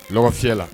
Ɲɔgɔn fiyɛ la